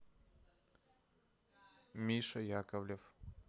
миша яковлев